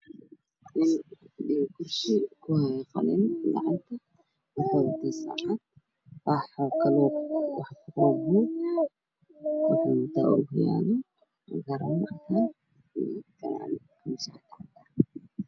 Waa nin wax qoraayo wato shaati cadaan waxaa ka dambeeya boor ayuu qorayaa